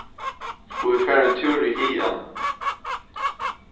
skulu vit fara ein túr í hagan